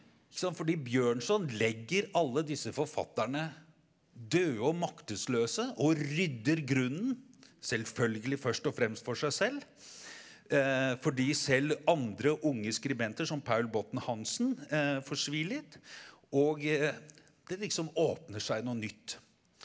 ikke sant fordi Bjørnson legger alle disse forfatterne døde og maktesløse og rydder grunnen, selvfølgelig først og fremst for seg selv, fordi selv andre unge skribenter som Paul Botten Hansen får svi litt og det liksom åpner seg noe nytt.